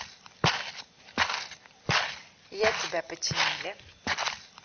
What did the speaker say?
я тебя починили